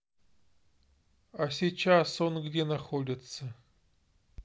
а сейчас он где находится